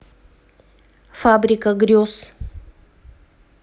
фабрика грез